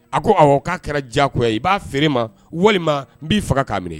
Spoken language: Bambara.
A ko awɔ k'a kɛra diyagoya ye i b'a feere ma walima n b'i faga k'a minɛ i